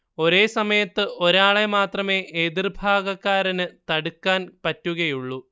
ഒരേ സമയത്ത് ഒരാളെ മാത്രമേ എതിർഭാഗക്കാരന് തടുക്കാൻ പറ്റുകയുള്ളു